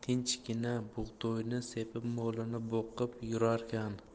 tinchgina bug'doyni sepib molini boqib yurarkan